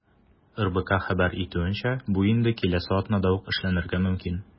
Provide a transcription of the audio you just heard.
РБК хәбәр итүенчә, бу инде киләсе атнада ук эшләнергә мөмкин.